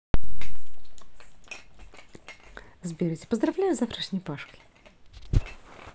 сбер я тебя поздравляю с завтрашней пашкой